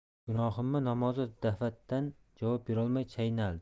gunohimmi namozov daf'atan javob berolmay chaynaldi